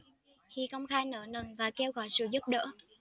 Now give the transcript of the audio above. khi công khai nợ nần và kêu gọi sự giúp đỡ